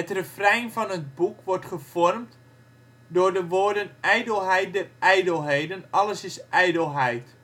refrein van het boek wordt gevormd door de woorden ' ijdelheid der ijdelheden, alles is ijdelheid